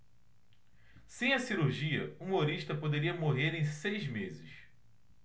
sem a cirurgia humorista poderia morrer em seis meses